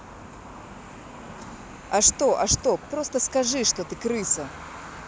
а что а что просто скажи то что ты крыса